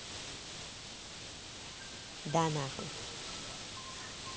да нахуй